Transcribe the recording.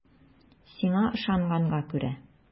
Сиңа ышанганга күрә.